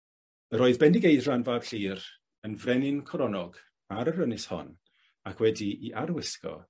Yr oedd Bendigeidfran fab Llŷr yn frenin coronog ar yr ynys hon, ac wedi 'i ar-wisgo